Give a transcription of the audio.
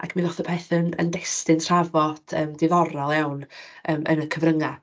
Ac mi ddoth y peth yn yn destun trafod yym ddiddorol iawn yym yn y cyfryngau.